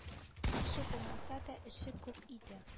Ашы булмаса да эше күп иде